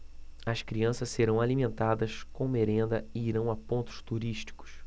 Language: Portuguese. as crianças serão alimentadas com merenda e irão a pontos turísticos